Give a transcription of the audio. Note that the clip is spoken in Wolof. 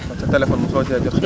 kon sa téléphone mosoo see jot